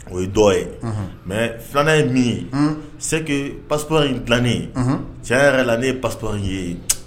O ye dɔw ye mɛ filanan ye min ye seke pasto in dilanen ye tiɲɛ yɛrɛ la ne ye past in ye